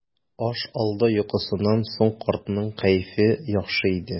Аш алды йокысыннан соң картның кәефе яхшы иде.